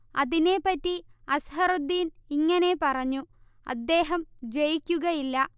അതിനെപ്പറ്റി അസ്ഹറുദ്ദീൻ ഇങ്ങനെ പറഞ്ഞു അദ്ദേഹം ജയിക്കുകയില്ല